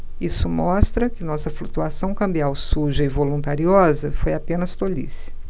isso mostra que nossa flutuação cambial suja e voluntariosa foi apenas tolice